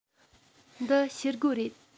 འདི ཤེལ སྒོ རེད